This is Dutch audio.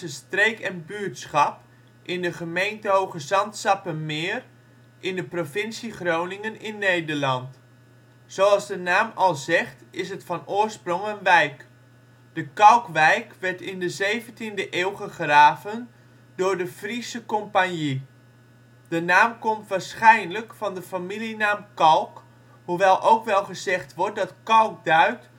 streek en buurtschap in de gemeente Hoogezand-Sappemeer in de provincie Groningen in Nederland. Zoals de naam al zegt is het van oorsprong een wijk. De Kalkwijk werd in de zeventiende eeuw gegraven door de Friesche Compagnie. De naam komt waarschijnlijk van de familienaam Kalk, hoewel ook wel gezegd wordt dat Kalk duidt